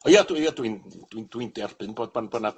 Ond ia, dwi ia dwi'n dwi'n dwi'n derbyn bod bod- bo' 'na